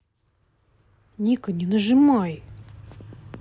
ника не нажимай